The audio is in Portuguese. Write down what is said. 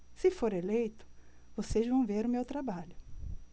se for eleito vocês vão ver o meu trabalho